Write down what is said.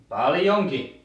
paljonkin